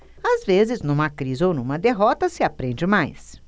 às vezes numa crise ou numa derrota se aprende mais